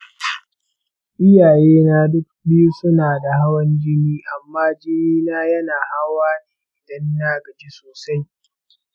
iyayena duka biyun suna da hawan jini amma jini na yana hawa ne idan na gaji sosai.